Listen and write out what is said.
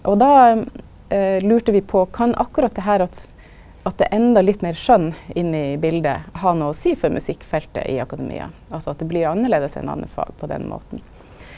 og då lurte vi på, kan akkurat det her at at det er endå litt meir skjønn inne i biletet ha noko å seia for musikkfeltet i akademia, altså at det blir annleis enn andre fag på den måten.